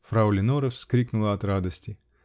Фрау Леноре вскрикнула от радости.